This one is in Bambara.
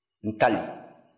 ntalen